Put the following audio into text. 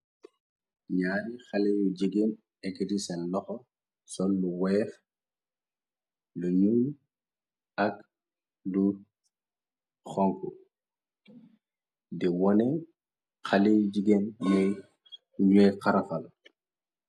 Nyaayi xale yu jegéen egtisen loxo sol lu weef lu ñuñ ak du xonk di wone xale yu jigeen ne ñuy xarafal.